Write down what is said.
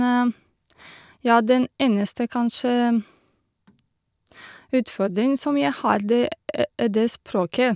Ja, den eneste, kanskje, utfordring som jeg har, det er det språket.